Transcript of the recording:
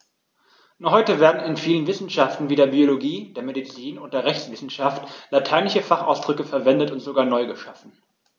Noch heute werden in vielen Wissenschaften wie der Biologie, der Medizin und der Rechtswissenschaft lateinische Fachausdrücke verwendet und sogar neu geschaffen.